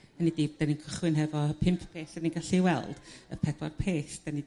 hynny 'di 'dan ni'n cychwyn hefo pump peth 'dan ni'n gallu eu weld y pedwar peth 'dan ni